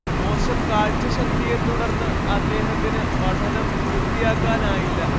മോശം കാഴ്ച ശക്തിയെത്തുടർന്ന് അദ്ദേഹത്തിന് പഠനം പൂർത്തിയാക്കാനായില്ല